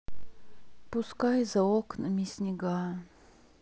пускай за окнами снега